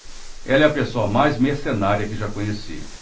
ela é a pessoa mais mercenária que já conheci